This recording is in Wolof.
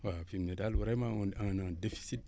waaw fi mu ne daal vraiment moom on a un déficit